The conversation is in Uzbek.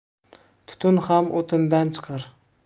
tutun ham o'tindan chiqar